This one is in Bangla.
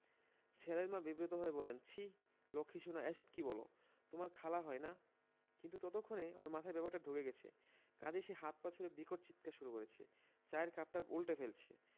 ছেলের মা বিব্রত হয়ে বললেন ছিঃ লক্ষীসোনা এসব কি বলে তোমার খালা হয় না কিন্তু ততক্ষণে ওর মাথায় ব্যাপারটা ঢুকে গেছে কাজেই সে হাত পা ছুড়ে বিকট চিৎকার শুরু করেছে চায়ের কাপটাপ উন্টে ফেলছে